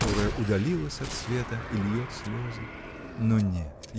которая удалилась от света и льет слезы? Но нет!